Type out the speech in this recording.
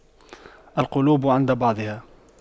القلوب عند بعضها